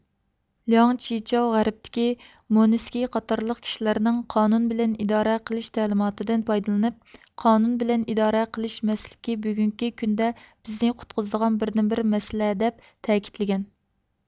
لياڭ چىچاۋ غەربتىكى موننېسكى قاتارلىق كىشىلەرنىڭ قانۇن بىلەن ئىدارە قىلىش تەلىماتىدىن پايدىلىنىپ قانۇن بىلەن ئىدارە قىلىش مەسلىكى بۈگۈنكى كۈندە بىزنى قۇتقۇزىدىغان بىردىنبىر مەسلە دەپ تەكىتلىگەن